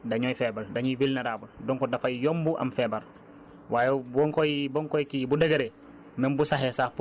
parce que fi nga koy jiyee bu faible rek donc plan yi ci génn tamit dañuy faibles dañuy vulnérables donc dafay yomb am feebar